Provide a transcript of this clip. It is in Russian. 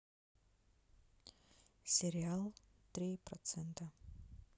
сериал три процента